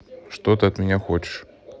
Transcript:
что ты от меня хочешь